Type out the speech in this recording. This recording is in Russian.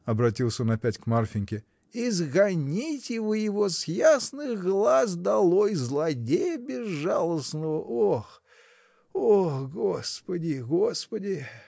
— обратился он опять к Марфиньке, — изгоните вы его с ясных глаз долой, злодея безжалостного — ох, ох, Господи, Господи!